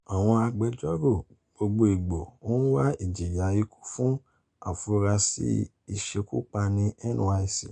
Àwọn agbẹjọ́rò gbogboogbo ń wá ìjìyà ikú fún afurasí aṣekúpani NYC.